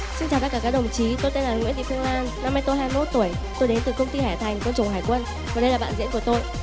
xin chào tất cả các đồng chí tôi tên là nguyễn thị phương lan năm nay tôi hai mốt tuổi tôi đến từ công ty hải thành quân chủng hải quân và đây là bạn diễn của tôi